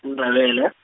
-Ndebele.